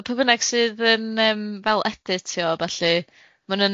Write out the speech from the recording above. yy pwy bynnag sydd yn yym fel editio a ballu, mae nw'n